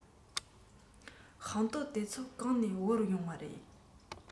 ཤིང ཏོག དེ ཚོ གང ནས དབོར ཡོང བ རེད